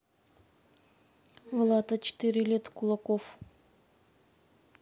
влад а четыре лет кулаков